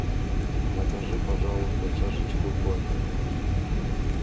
закажи пожалуйста чашечку кофе